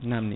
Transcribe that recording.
namni